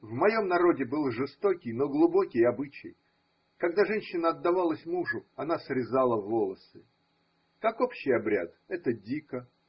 В моем народе был жестокий, но глубокий обычай: когда женщина отдавалась мужу. она срезала волосы. Как общий обряд, это дико.